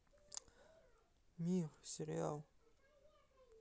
мир сериал